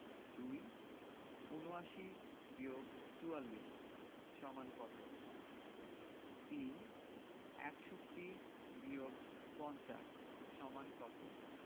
২ ৭৯-৪৪ = কত ৩ ৬১-৫০ = কত